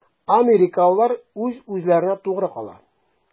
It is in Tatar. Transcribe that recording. Америкалылар үз-үзләренә тугры кала.